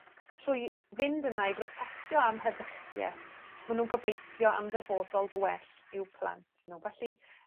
trwy fynd yna i brotestio am heddychieth ma' nw'n gobeithio am ddyfodol gwell i'w plant nw felly